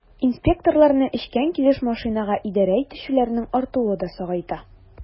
Инспекторларны эчкән килеш машинага идарә итүчеләрнең артуы да сагайта.